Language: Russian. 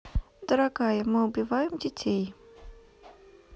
дорогая мы убиваем детей